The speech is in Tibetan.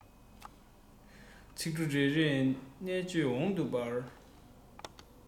ཚིག འབྲུ རེ རེར རྣམ དཔྱོད འོད དུ འབར